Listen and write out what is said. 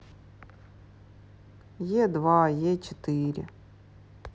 е два е четыре